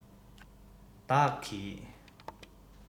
བདག གིས